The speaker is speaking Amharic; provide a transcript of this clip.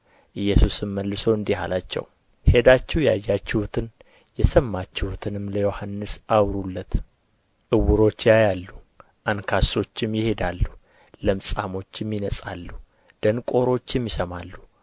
ኢየሱስም መልሶ እንዲህ አላቸው ሄዳችሁ ያያችሁትን የሰማችሁትንም ለዮሐንስ አውሩለት ዕውሮች ያያሉ አንካሶችም ይሄዳሉ ለምጻሞችም ይነጻሉ ደንቆሮችም ይሰማሉ